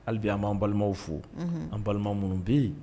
Halibi an b'an balimaw fo an balima minnu bɛ yen